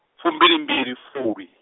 fumbilimbili fulwi.